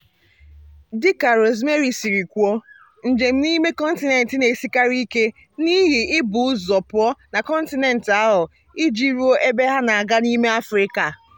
Dịka Rosemary siri kwuo, njem n'ime kọntinent na-esikarị ike n'ihi ị bụ ụzọ pụọ na kọntinent ahụ iji ruo ebe ha na-aga n'ime Afrịka.